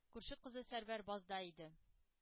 Күрше кызы Сәрвәр базда иде,